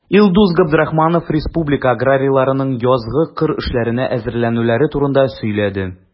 Илдус Габдрахманов республика аграрийларының язгы кыр эшләренә әзерләнүләре турында сөйләде.